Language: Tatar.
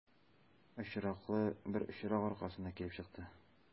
Очраклы бер очрак аркасында килеп чыкты.